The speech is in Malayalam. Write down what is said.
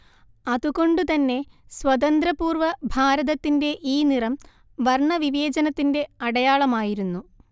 അതുകൊണ്ടുതന്നെ സ്വാന്ത്രപൂർവ്വ ഭാരതത്തിന്റെ ഈ നിറം വർണ്ണവിവേചനത്തിന്റെ അടയാളമായിരുന്നു